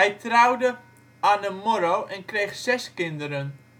trouwde Anne Morrow en kreeg zes kinderen